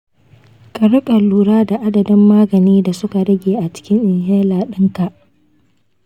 ka riƙa lura da adadin magani da suka rage a cikin inhaler ɗinka.